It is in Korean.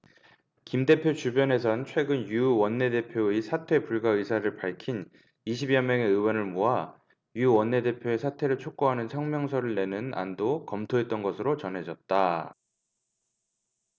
김 대표 주변에선 최근 유 원내대표의 사퇴 불가 의사를 밝힌 이십 여 명의 의원을 모아 유 원내대표의 사퇴를 촉구하는 성명서를 내는 안도 검토했던 것으로 전해졌다